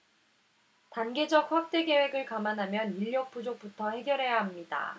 단계적인 확대 계획을 감안하면 인력 부족부터 해결해야 합니다